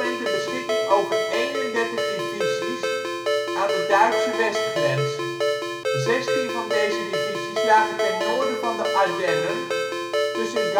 de beschikking over 31 divisies aan de Duitse westgrens. Zestien van deze divisies lagen ten noorden van de Ardennen tussen